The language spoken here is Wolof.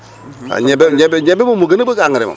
ñebe ñebe ñebe moom moo gën a bëgg angare moom